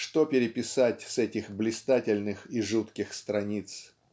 что переписать с этих блистательных и жутких страниц.